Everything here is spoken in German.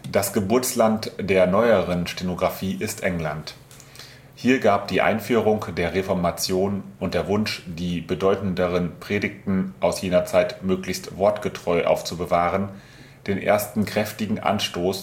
Das Geburtsland der neueren Stenografie ist England. Hier gab die Einführung der Reformation und der Wunsch, die bedeutenderen Predigten aus jener Zeit möglichst wortgetreu aufzubewahren, den ersten kräftigen Anstoß